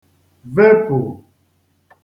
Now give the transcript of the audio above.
vepù